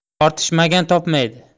tortishmagan topmaydi